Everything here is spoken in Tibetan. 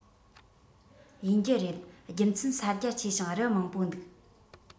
ཡིན རྒྱུ རེད རྒྱུ མཚན ས རྒྱ ཆེ ཞིང རི མང པོ འདུག